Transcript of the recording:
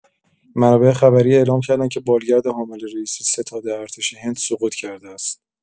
منابع خبری اعلام کردند که بالگرد حامل رئیس ستاد ارتش هند سقوط کرده است.